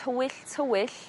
tywyll tywyll